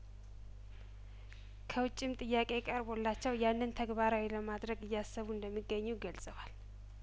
ከውጪም ጥያቄ ቀርቦላቸው ያንን ተግባራዊ ለማድረግ እያሰቡ እንደሚገኙ ገልጸዋል